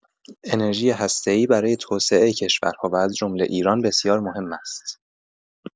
انرژی هسته‌ای برای توسعه کشورها و از جمله ایران بسیار مهم است.